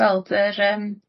gweld yr yym